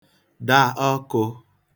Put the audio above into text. da ọkụ̄